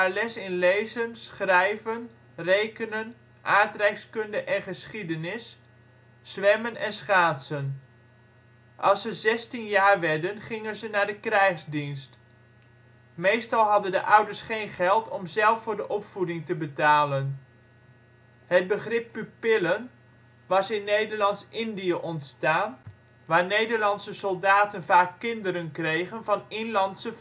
les in lezen, schrijven, rekenen, aardrijkskunde en geschiedenis, zwemmen en schaatsen. Als ze 16 jaar werden gingen ze naar de krijgsdienst. Meestal hadden de ouders geen geld om zelf voor de opvoeding te betalen. Het begrip ' pupillen ' was in Nederlands-Indië ontstaan, waar Nederlandse soldaten vaak kinderen kregen van inlandse